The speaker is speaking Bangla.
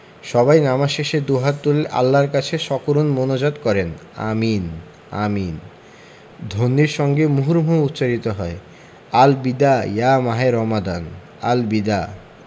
সবাই নামাজ শেষে দুহাত তুলে আল্লাহর কাছে সকরুণ মোনাজাত করে আমিন আমিন ধ্বনির সঙ্গে মুহুর্মুহু উচ্চারিত হয় আল বিদা ইয়া মাহে রমাদান আল বিদা